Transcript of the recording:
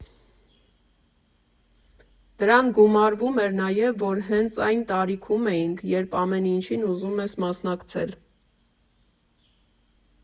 Դրան գումարվում էր նաև, որ հենց այն տարիքում էինք, երբ ամեն ինչին ուզում ես մասնակցել։